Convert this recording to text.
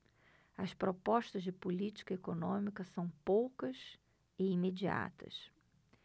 as propostas de política econômica são poucas e imediatas